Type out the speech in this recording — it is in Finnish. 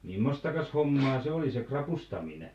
mimmoista hommaa se oli se ravustaminen